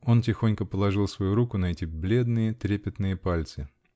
Он тихонько положил свою руку на эти бледные, трепетные пальцы.